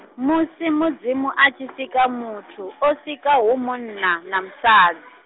musi Mudzimu atshi sika muthu, o sika hu munna na musadzi.